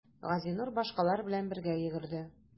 Газинур башкалар белән бергә йөгерде.